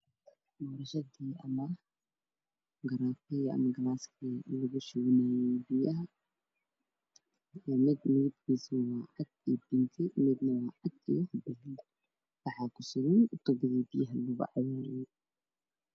Waxaa ii muuqda sawir xayeysiis waxaa kaloo ii muuqda laba koob oo ku jiraan cabitaan oo ah caddays iyo guduu baagaroonka ka dambeeya waa buluug